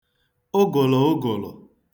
ụgụ̀lụ̀ ụgụ̀lụ̀